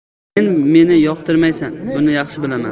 sen meni yoqtirmaysan buni yaxshi bilaman